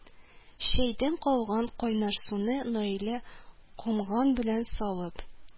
Чәйдән калган кайнар суны Наилә комган белән салып